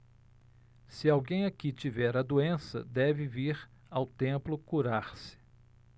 se alguém aqui tiver a doença deve vir ao templo curar-se